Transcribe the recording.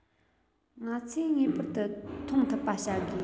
ང ཚོས ངེས པར དུ མཐོང ཐུབ པ བྱ དགོས